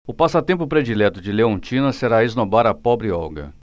o passatempo predileto de leontina será esnobar a pobre olga